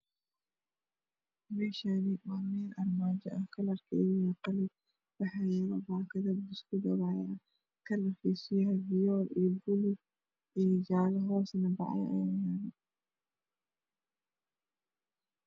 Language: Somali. Meshani wa mel armaajo ah kalarkedu yahay qalin bakado biskud ah kalarkis oow yahay fiyol buluug jale hosna baco ayayalo